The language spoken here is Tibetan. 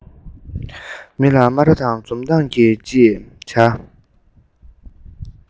མི ལ སྨ ར དང འཛུམ མདངས ཀྱིས ཅི བྱ